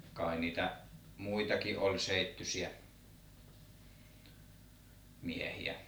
kai niitä muitakin oli seittyisiä miehiä